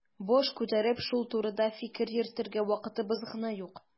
Баш күтәреп шул турыда фикер йөртергә вакытыбыз гына юк.